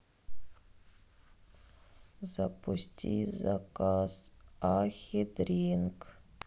запусти заказ ахи дринк